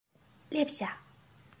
སླེབས བཞག